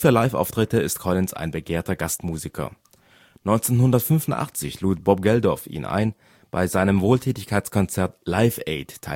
Liveauftritte ist Collins ein begehrter Gastmusiker. 1985 lud Bob Geldof ihn ein, bei seinem Wohltätigkeitskonzert Live Aid